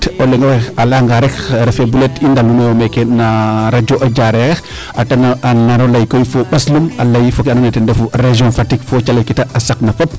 o leŋ oxe a leya nga rek refe buleet i ndalninoyo meeke na radio Diarere te naro ley koy fo ɓaslum a ley fo kee ando naye ten refu region Fatick fo calel ke te saq na fop